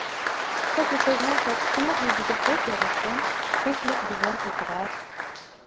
qisqa kesilgan sochi tiniq yuziga xo'p yarashgan ko'hlik juvon o'tirar